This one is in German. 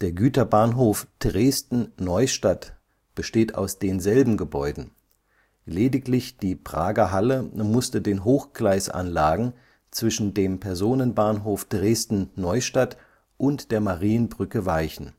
Güterbahnhof Dresden-Neustadt besteht aus denselben Gebäuden, lediglich die Prager Halle musste den Hochgleisanlagen zwischen dem Personenbahnhof Dresden-Neustadt und der Marienbrücke weichen